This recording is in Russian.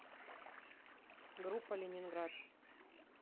группа ленинград